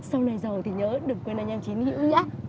sau này giàu thì nhớ đừng quên anh em chiến hữu nhá